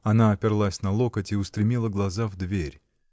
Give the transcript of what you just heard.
Она оперлась на локоть и устремила глаза в дверь.